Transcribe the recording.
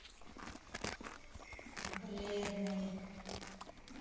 бледный